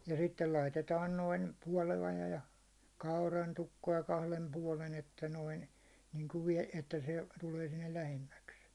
ja sitten laitetaan noin puoloja ja kaurantukkoa kahden puolen että noin niin kuin - että se tulee sinne lähemmäksi